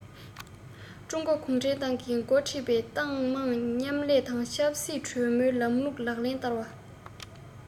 ཀྲུང གོ གུང ཁྲན ཏང གིས འགོ ཁྲིད པའི ཏང མང མཉམ ལས དང ཆབ སྲིད གྲོས མོལ ལམ ལུགས ལག ལེན བསྟར བ